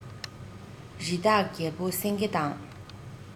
རི དྭགས རྒྱལ པོ སེང གེ དང